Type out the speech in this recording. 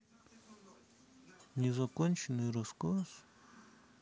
турецкий фильм незаконченный рассказ